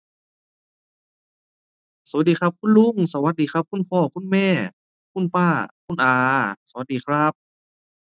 สวัสดีครับคุณลุง สวัสดีครับคุณพ่อคุณแม่ คุณป้าคุณอาสวัสดีครับ